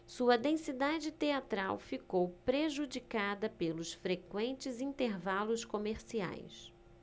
sua densidade teatral ficou prejudicada pelos frequentes intervalos comerciais